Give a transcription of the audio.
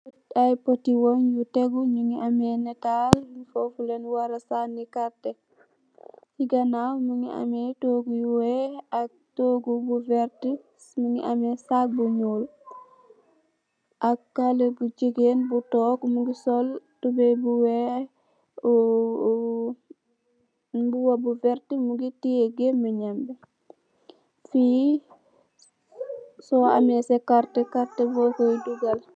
Ay poti weng yu tegu nyugi ameh netal fofu len wara sani carta si ganaw mogi ameh togu yu weex ak togu bu vertah mogi ameh sag bu nuul ak xale bu jigeen bu tog mogi sol tubai bu weex mbuba bu vertah mogi tiyeh geemen nyam bi fi so ameh sa carta carta fo koi dugal.